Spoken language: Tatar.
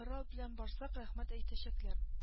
Орал белән барсак рәхмәт әйтәчәкләр